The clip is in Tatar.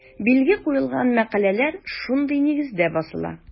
Билге куелган мәкаләләр шундый нигездә басыла.